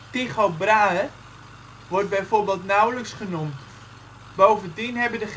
Tycho Brahe wordt bijvoorbeeld nauwelijks genoemd. Bovendien hebben